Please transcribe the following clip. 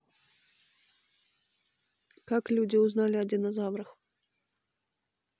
как люди узнали о динозаврах